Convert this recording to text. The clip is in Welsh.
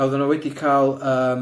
Oedden nhw wedi cael yym